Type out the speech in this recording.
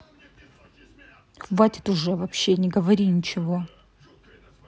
хватит уже вообще не говори ничего